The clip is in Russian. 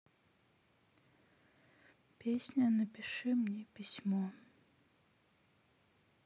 песня напиши мне письмо